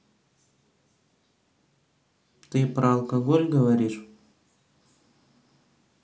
ты про алкоголь говоришь